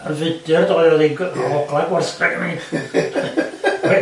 yn fudur doedd? Oddi- ogla gwartheg